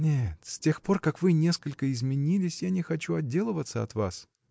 — Нет, с тех пор как вы несколько изменились, я не хочу отделываться от вас.